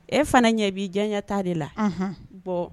E fana ɲɛ b'i diyaɲa ta de la bɔn